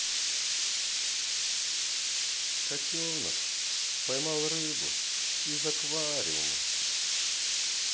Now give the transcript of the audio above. котенок поймал рыбу из аквариума